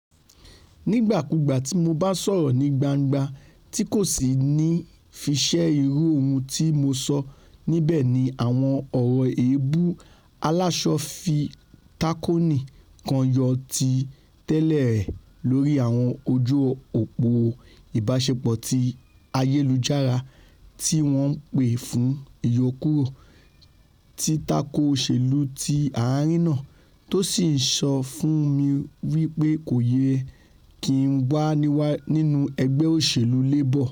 Nígbàkúùgbà tí Mo bá sọ̀rọ̀ ni gbangba - tí kòsì ní fiṣe irú ohun ti Mo sọ - níbẹ̀ ni àwọn ọ̀rọ̀ èèbú alásọfitakoni kan yóò ti tẹ̀lé e lórí àwọn ojú-òpó ìbáṣepọ̀ ti ayelujara tíwọn ńpè fún ìyọkúrò, títako òṣèlú ti ààrin náà, tó sì ńsọ fún mi wí pé kòyẹ ki N wà nínú ẹgbẹ́ òṣèlú Labour.